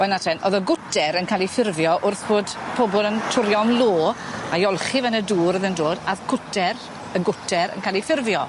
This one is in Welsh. Wel nawr ten o'dd y gwter yn ca'l 'i ffurfio wrth fod pobol yn twrio am lo a'i olchi fe yn y dŵr o'dd yn dod a o'dd cwter y gwter yn ca'l ei ffurfio.